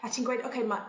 a ti'n gweud oce ma'